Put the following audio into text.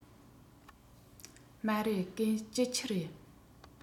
མ རེད གན སྐྱིད ཆུ རེད